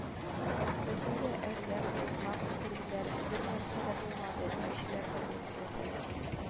Безне дә әрләп, тукмап үстерделәр, бернәрсә дә булмады, диючеләр табылыр